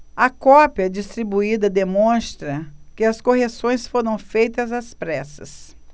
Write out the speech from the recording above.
a cópia distribuída demonstra que as correções foram feitas às pressas